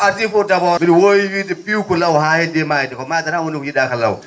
ko adii fof d' abord mbi?o woowi wiide piiw ko law haa heddii maayde ko maayde tan woni ko yi?aaka law